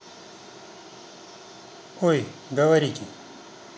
ой говорите